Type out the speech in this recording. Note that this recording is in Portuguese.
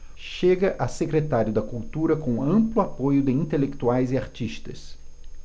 chega a secretário da cultura com amplo apoio de intelectuais e artistas